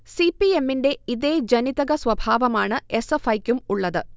C. P. എമ്മിന്റെ ഇതേ ജനിതക സ്വഭാവമാണ് എസ്. എഫ്. ഐക്കും ഉള്ളത്